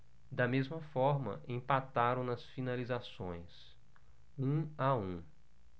da mesma forma empataram nas finalizações um a um